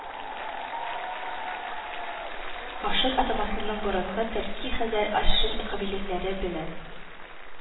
Ашыт атамасын борынгы төрки-хәзәр ашин кабиләләре белән